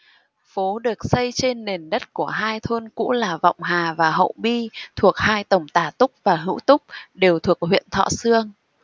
phố được xây trên nền đất của hai thôn cũ là vọng hà và hậu bi thuộc hai tổng tả túc và hữu túc đều thuộc huyện thọ xương